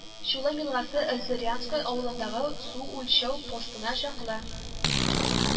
Чулым елгасы, Зырянское авылындагы су үлчәү постына чаклы